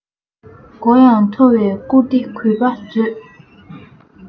མགོ ཡང མཐོ བའི བཀུར སྟི གུས པར མཛོད